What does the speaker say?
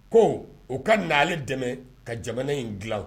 Ko u ka na dɛmɛ ka jamana in dilan